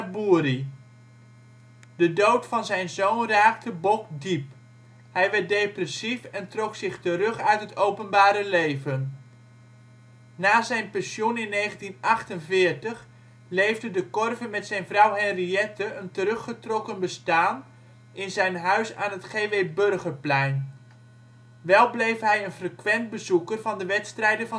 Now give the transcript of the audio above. Buri. De dood van zijn zoon raakte Bok diep: hij werd depressief en trok zich terug uit het openbare leven. Na zijn pensioen in 1948 leefde De Korver met zijn vrouw Henriette een teruggetrokken bestaan in zijn huis aan het G.W. Burgerplein. Wel bleef hij een frequent bezoeker van de wedstrijden